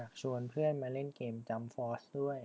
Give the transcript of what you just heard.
อยากชวนเพื่อนมาเล่นเกมจั๊มฟอสด้วย